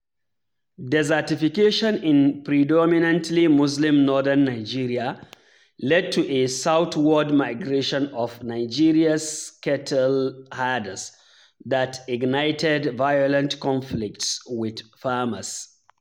Desertification in predominantly-Muslim northern Nigeria led to a southward migration of Nigeria’s cattle herders that ignited violent conflicts with farmers.